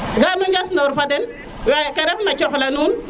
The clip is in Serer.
wala nu njas nor fa dem